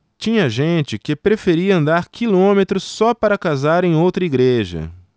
tinha gente que preferia andar quilômetros só para casar em outra igreja